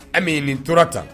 An bɛ nin tora ta